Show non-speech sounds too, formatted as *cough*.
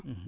*hesitation* *hesitation*